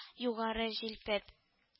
Югары җилпеп